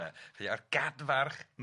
felly 'a'r gad farch